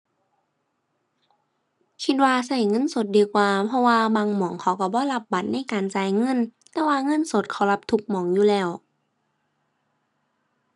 คิดว่าใช้เงินสดดีกว่า เพราะว่าบางหม้องเขาใช้บ่รับบัตรในการจ่ายเงิน แต่ว่าเงินสดเขารับทุกหม้องอยู่แล้ว